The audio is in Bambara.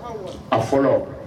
A fɔlɔ